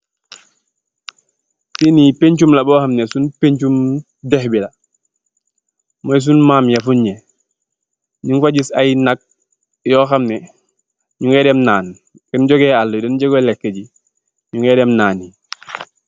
Sunpenchum mam yii la won aye nak nyung far dii nan ndocg